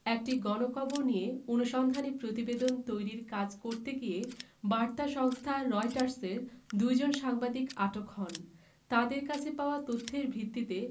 একটি গণকবর নিয়ে অনুসন্ধানী প্রতিবেদন তৈরির কাজ করতে গিয়ে বার্তা সংস্থা রয়টার্সের দুজন সাংবাদিক আটক হন তাঁদের কাছে পাওয়া তথ্যের ভিত্তিতে